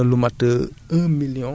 lu ci bari jamono jii yàqu na